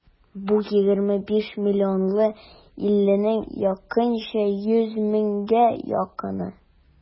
Бу егерме биш миллионлы илнең якынча йөз меңгә якыны.